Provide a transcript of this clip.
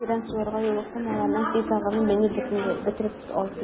Тирән суларга юлыктым, аларның тиз агымы мине бөтереп алып китә.